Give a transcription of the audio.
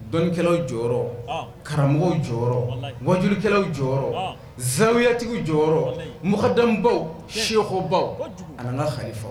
Dɔnnikɛlaw jɔyɔrɔ karamɔgɔw jɔyɔrɔ wajukɛlaw jɔyɔrɔ zyatigiw jɔyɔrɔ mɔgɔdabaw sekobaw ani ka ha